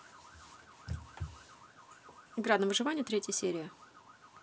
игра на выживание третья серия